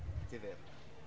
Difyr.